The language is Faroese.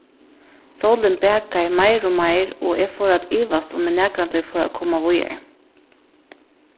sólin bakaði meir og meir og eg fór at ivast um eg nakrantíð fór at koma víðari